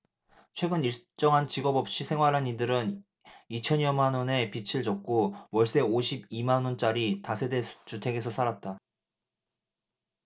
최근 일정한 직업 없이 생활한 이들은 이 천여만원의 빚을 졌고 월세 오십 이 만원짜리 다세대 주택에서 살았다